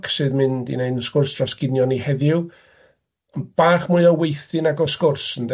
###sy'n mynd i neud 'yn sgwrs dros ginio ni heddiw, on' bach mwy o weithdy nag o sgwrs, ynde...